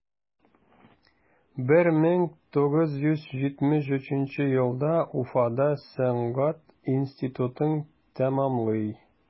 1973 елда уфада сәнгать институтын тәмамлый.